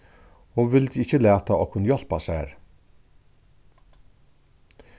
hon vildi ikki lata okkum hjálpa sær